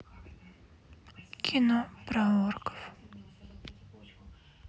кино про орков